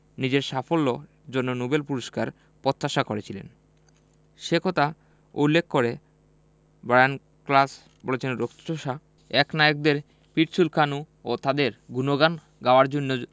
নিজের সাফল্যের জন্য নোবেল পুরস্কার প্রত্যাশা করেছিলেন সে কথা উল্লেখ করে ব্রায়ান ক্লাস প্রশ্ন করেছেন রক্তচোষা একনায়কদের পিঠ চুলকানো ও তাঁদের গুণগান গাওয়ার জন্য